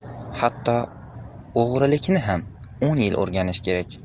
hatto o'g'rilikni ham o'n yil o'rganish kerak